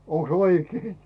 onkos oikein